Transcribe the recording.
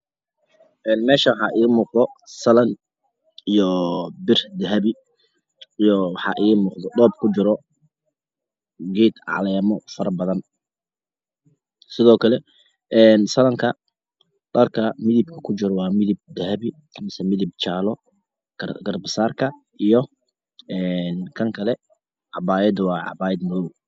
Meeshaani waxaa iiga muuqdo salan iyo bir dahabi iyo dhoob ku juro geed caleemo farabadan sidoo kale salanka dharta ku jiro waa midab ku jiro waa midab dahabi amasa midab jaalle garba-saarka iyo kan kale cabaayada waa mid madow